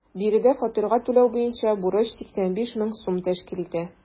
Биредә фатирга түләү буенча бурыч 85 мең сум тәшкил итә.